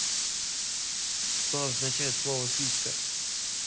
что означает слово писька